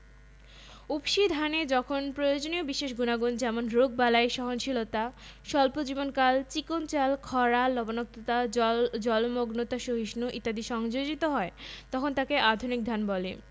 আবার একটি কার্বন পরমাণু দুটি অক্সিজেন পরমাণুর সাথে যুক্ত হয়ে একটি কার্বন ডাই অক্সাইড অণু গঠিত হয় একই মৌলের একাধিক পরমাণু পরস্পরের সাথে যুক্ত হলে তাকে মৌলের অণু বলে যেমন অক্সিজেন